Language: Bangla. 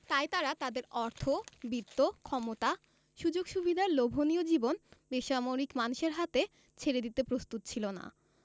তাই তারা তাদের অর্থ বিত্ত ক্ষমতা সুযোগ সুবিধার লোভনীয় জীবন বেসামরিক মানুষের হাতে ছেড়ে দিতে প্রস্তুত ছিল না